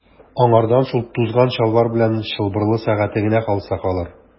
Аңардан шул тузган чалбар белән чылбырлы сәгате генә калса калыр.